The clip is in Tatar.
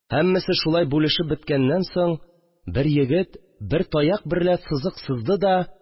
Һәммәсе шулай бүлешеп беткәннән соң, бер егет, бер таяк берлә сызык сызды да